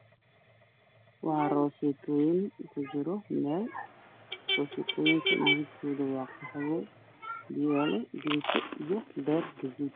Waa roteso ku jiro meel madabkoodo waa qaxwo fiyol io beer